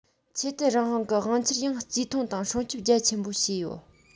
ཆོས དད རང དབང གི དབང ཆར ཡང རྩིས མཐོང དང སྲུང སྐྱོབ རྒྱ ཆེན པོ བྱས ཡོད